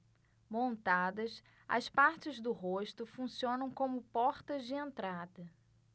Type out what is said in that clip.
montadas as partes do rosto funcionam como portas de entrada